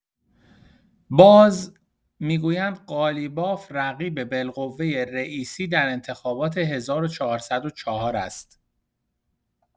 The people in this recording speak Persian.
باز، می‌گویند قالیباف رقیب بالقوه رئیسی در انتخابات ۱۴۰۴ است.